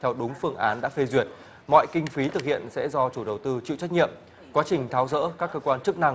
theo đúng phương án đã phê duyệt mọi kinh phí thực hiện sẽ do chủ đầu tư chịu trách nhiệm quá trình tháo dỡ các cơ quan chức năng